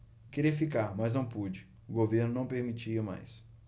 queria ficar mas não pude o governo não permitia mais